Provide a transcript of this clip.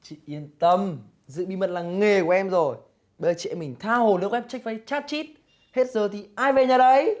chị yên tâm giữ bí mật là nghề của em rồi bây giờ chị em mình tha hồ lướt goép chếch phây chát chít hết giờ thì ai về nhà đấy